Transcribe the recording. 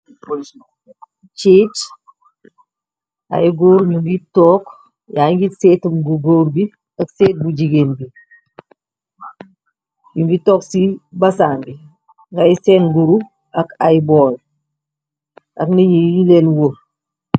Chic ay góor ñu ngi tokk yaa ngir seet bu góor bi ak seet bu jigéen bi ñu ngi toog ci basaanbi ngay seen guru ak ay bor ak nañu y leen wóur.